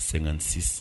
Sɛgɛn sisan